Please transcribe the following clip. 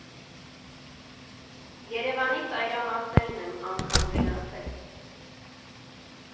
Երևանի ծայրամասերն եմ անգամ գնացել։